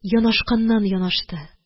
Янашканнан-янашты.